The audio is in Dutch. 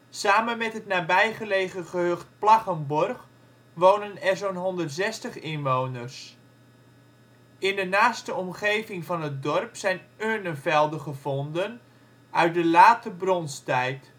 Samen met het nabijgelegen gehucht Plaggenborg wonen er zo 'n 160 inwoners. In de naaste omgeving van het dorp zijn urnenvelden gevonden uit late bronstijd